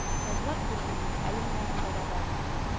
Язулар күп минем, әле менә монда да бар